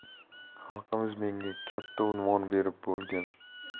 xalqimiz menga katta unvon berib bo'lgan